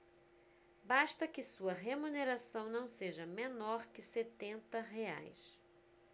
basta que sua remuneração não seja menor que setenta reais